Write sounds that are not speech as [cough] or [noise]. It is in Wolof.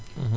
[hesitation] [hesitation]